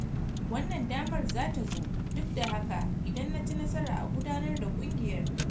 Wannan damar za ta zo, duk da haka, idan na ci nasara a gudanar da kungiyar."